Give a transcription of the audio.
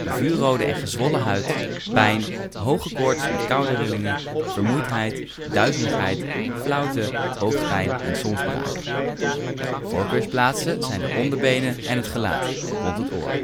vuurrode en gezwollen huid, pijn, hoge koorts met koude rillingen, vermoeidheid, duizeligheid, flauwte, hoofdpijn en soms braken. Voorkeursplaatsen zijn de onderbenen en het gelaat (rond het oor